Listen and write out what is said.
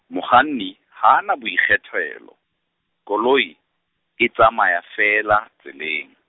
mokganni, ha a na boikgethelo, koloi, e tsamaya feela, tseleng.